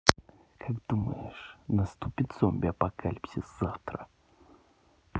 как думаешь наступит зомби апокалипсис завтра